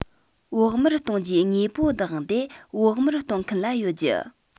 བོགས མར གཏོང རྒྱུའི དངོས པོ བདག དབང དེ བོགས མར གཏོང མཁན ལ ཡོད རྒྱུ